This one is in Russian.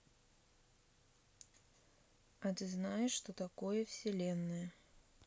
а ты знаешь что такое вселенная